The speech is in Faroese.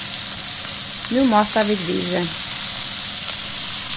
nú máta vit virðið